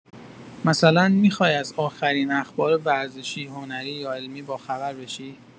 مثلا می‌خوای از آخرین اخبار ورزشی، هنری، یا علمی باخبر بشی؟